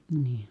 niin